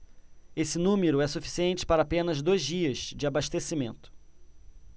esse número é suficiente para apenas dois dias de abastecimento